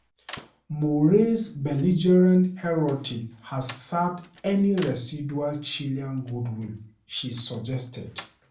Morales's belligerent rhetoric has sapped any residual Chilean goodwill, she suggested.